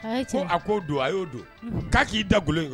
Fo a k'o don a y'o don k'a k'i da bolo ye